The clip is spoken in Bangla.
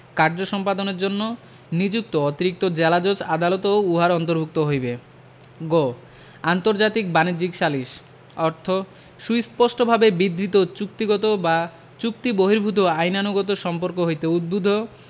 কার্য সম্পাদনের জন্য নিযুক্ত অতিরিক্ত জেলাজজ আদালতও উহার অন্তর্ভুক্ত হইবে গ আন্তর্জাতিক বাণিজ্যিক সালিস অর্থ সুস্পষ্টভাবে বিধৃত চুক্তিগত বা চুক্তিবহির্ভুত আইনানুগ সম্পর্ক হইতে উদ্ভুত